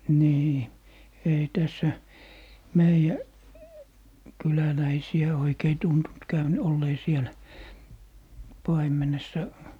niin ei tässä meidän kyläläisiä oikein tuntunut - olleen siellä paimenessa